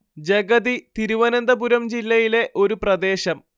ജഗതി തിരുവനന്തപുരം ജില്ലയിലെ ഒരു പ്രദേശം